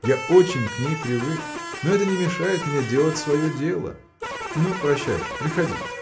Я очень к ней привык, но это не мешает мне делать свое дело. Ну, прощай же, приходи.